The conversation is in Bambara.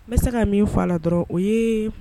N bɛ se ka min fɔ a la dɔrɔn o yee